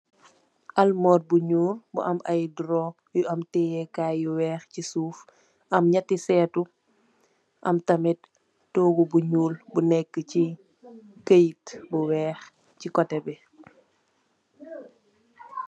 Almoor bu ñuul mu am ay draw yu am tèjëkaay yu weeh ci suuf, am nètti sètu, am tamit toogu bu ñuul bu nekk chi kayit bu weeh chi kotè bi.